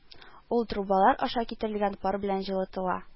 Ул трубалар аша китерелгән пар белән җылытыла